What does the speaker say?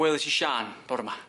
Weles i Siân bora' ma'.